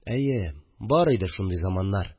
Әйе, бар иде шундый заманнар